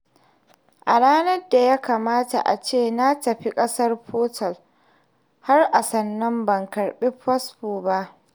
A ranar da ya kamata ace na tafi ƙasar Portugal, har a sannan ban karɓi fasfo ba...